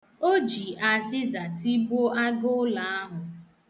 O ji azịza tigbuo agụụlọ ahụ.